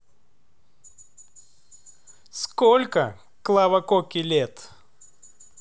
сколько клава коки лет